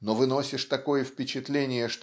но выносишь такое впечатление